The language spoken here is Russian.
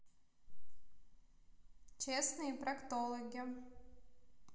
честные проктологи